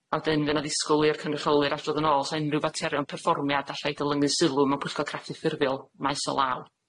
A wedyn fydd 'na ddisgwyl i'r cynrychiolwyr adrodd yn ôl os 'sa unrhyw faterion perfformiad allai deilyngu sylw mewn pwyllgor craffu ffurfiol maes o law.